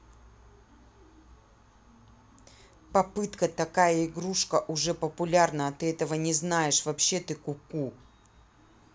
попытка такая игрушка уже популярна а ты этого не знаешь вообще ты куку